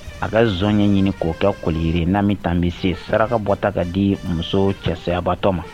A ka zan ye ɲini k'o kɛ koliiriri n'a min ta bɛ se saraka bɔ ta ka di muso cɛsɛbatɔ ma